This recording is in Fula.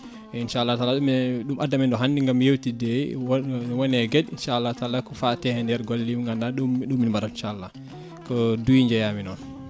inchallahu taala ɗum e ɗum addi amen ɗo hannde gaam yewtidde e woon e gueɗe inchallahu taala ko faate e nder golle ni mo ganduɗa ɗum min mbaɗata inchallah ko Douye jeeyami noon